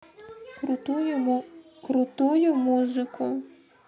крутую музыку